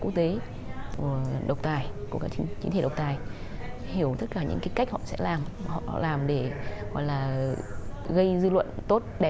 quốc tế của độc tài của các chính thể độc tài hiểu tất cả những cái cách họ sẽ làm họ làm để gọi là gây dư luận tốt đẹp